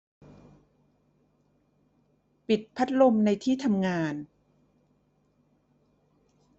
ปิดพัดลมในที่ทำงาน